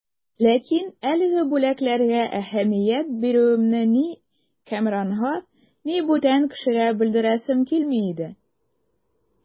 Ләкин әлеге бүләкләргә әһәмият бирүемне ни Кәмранга, ни бүтән кешегә белдерәсем килми иде.